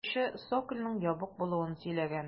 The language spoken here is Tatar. Сатучы цокольның ябык булуын сөйләгән.